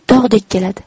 tog'dek keladi